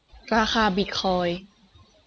ราคาบิทคอยน์